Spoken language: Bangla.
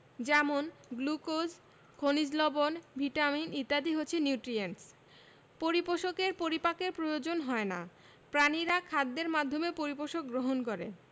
যেমন গ্লুকোজ খনিজ লবন ভিটামিন ইত্যাদি হচ্ছে নিউট্রিয়েন্টস পরিপোষকের পরিপাকের প্রয়োজন হয় না প্রাণীরা খাদ্যের মাধ্যমে পরিপোষক গ্রহণ করে